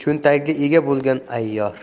cho'ntagiga ega bo'lgan ayyor